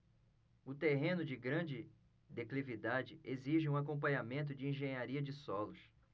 o terreno de grande declividade exige um acompanhamento de engenharia de solos